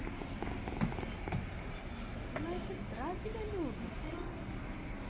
и моя сестра тебя любит